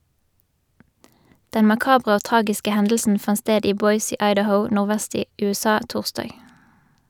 Den makabre og tragiske hendelsen fant sted i Boise i Idaho, nordvest i USA, torsdag.